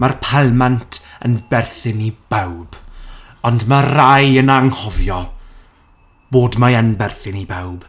Mae'r palmant yn berthyn i bawb. Ond mae rai yn anghofio bod mae yn berthyn i bawb.